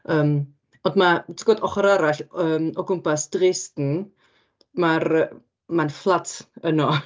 Yym, ond ma' ti'n gwybod ochr arall yym o gwmpas Dresden, ma'r yy ma'n fflat yno.